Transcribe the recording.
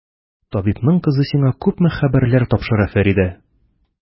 Табибның кызы сиңа күпме хәбәрләр тапшыра, Фәридә!